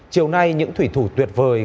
chiều nay những thủy thủ tuyệt vời